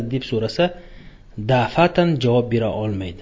deb surasa daf'atan javob bera olmaydi